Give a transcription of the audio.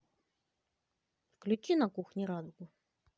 включи на кухне радугу